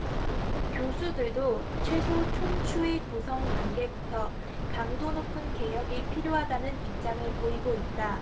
교수들도 최소 총추위 구성 단계부터 강도 높은 개혁이 필요하다는 입장을 보이고 있다